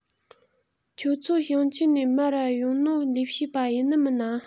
ཁྱོད ཚོ ཞིང ཆེན ནས མར ར ཡོང ནོ ལས བྱེད པ ཡིན ནི མིན ན